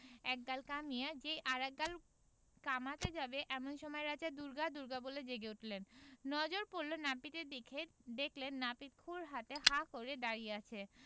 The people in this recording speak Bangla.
এক গাল কামিয়ে যেই আর এক গাল কামাতে যাবে এমন সময় রাজা দুর্গা দুর্গা বলে জেগে উঠলেন নজর পড়ল নাপিতের দিকে দেখলেন নাপিত ক্ষুর হাতে হাঁ করে দাড়িয়ে আছে